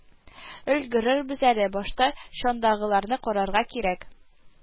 Өлгерербез әле, башта чандагыларны карарга кирәк